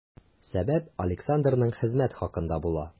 Сәбәп Александрның хезмәт хакында була.